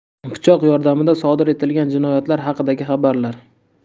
pichoq yordamida sodir etilgan jinoyatlar haqidagi xabarlar